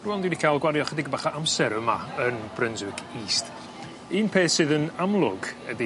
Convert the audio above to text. Rŵan dwi 'di ca'l gwario ychydig bach o amser yma yn Brunswick East un peth sydd yn amlwg ydi